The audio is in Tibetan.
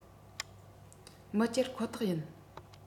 མི གཅར ཁོ ཐག ཡིན